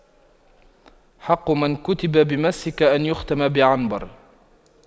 حق من كتب بمسك أن يختم بعنبر